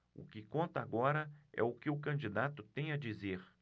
o que conta agora é o que o candidato tem a dizer